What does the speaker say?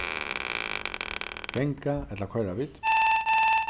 ganga ella koyra vit